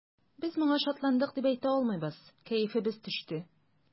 Без моңа шатландык дип әйтә алмыйбыз, кәефебез төште.